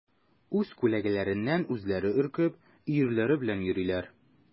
Үз күләгәләреннән үзләре өркеп, өерләре белән йөриләр.